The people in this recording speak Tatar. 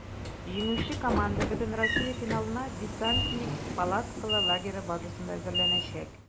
Җиңүче команда бөтенроссия финалына "Десантник" палаткалы лагере базасында әзерләнәчәк.